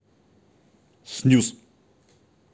снюс